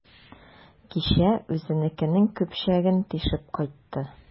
Кичә үзенекенең көпчәген тишеп кайтты.